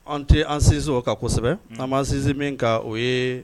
An tɛ an sinsin o kan kosɛbɛ unh an b'an sinsin min kan o yee